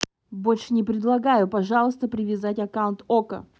больше не предлагаю пожалуйста привязать аккаунт okko